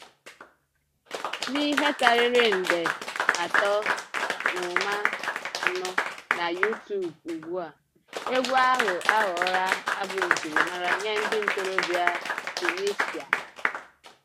N'ihe karịrị nde 3.4 na YouTube ugbu a, egwu ahụ aghọla abụ njirimara nye ndị ntorobịa Tunisia.